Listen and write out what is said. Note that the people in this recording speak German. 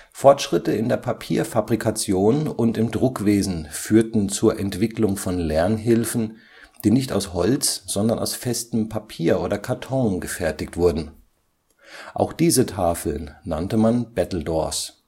Fortschritte in der Papierfabrikation und im Druckwesen führten zur Entwicklung von Lernhilfen, die nicht aus Holz, sondern aus festem Papier oder Karton gefertigt wurden. Auch diese Tafeln nannte man „ Battledores